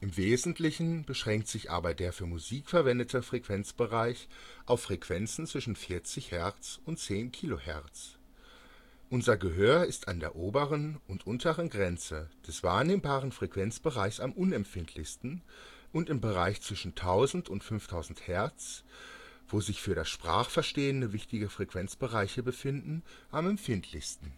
Wesentlichen beschränkt sich aber der für Musik verwendete Frequenzbereich auf Frequenzen zwischen 40 Hz und 10 kHz. Unser Gehör ist an der oberen und unteren Grenze des wahrnehmbaren Frequenzbereichs am unempfindlichsten und im Bereich zwischen 1000 und 5000 Hz, wo sich für das Sprachverstehen wichtige Frequenzbereiche befinden, am empfindlichsten